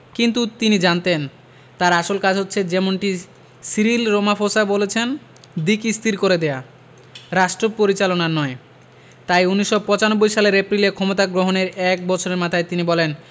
কিন্তু তিনি জানতেন তাঁর আসল কাজ হচ্ছে যেমনটি সিরিল রোমাফোসা বলেছেন দিক স্থির করে দেওয়া রাষ্টপরিচালনা নয় তাই ১৯৯৫ সালের এপ্রিলে ক্ষমতা গ্রহণের এক বছরের মাথায় তিনি বলেন